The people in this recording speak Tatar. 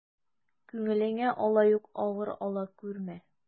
Күңелеңә алай ук авыр ала күрмә.